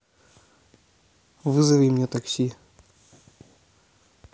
вызови мне такси